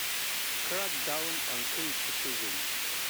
Crackdown on criticism